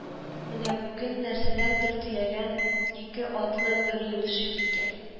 Менә бүген нәрсәләрдер төягән ике атлы бер юлчы килгән